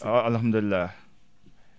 ça va alhamdulilah